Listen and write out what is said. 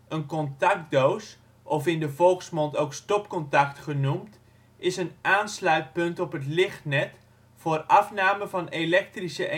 Een contactdoos, of in de volksmond ook stopcontact genoemd, is een aansluitpunt op het lichtnet voor afname van elektrische